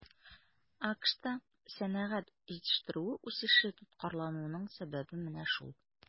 АКШта сәнәгать җитештерүе үсеше тоткарлануның сәбәбе менә шул.